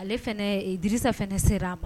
Alesa fana sera ma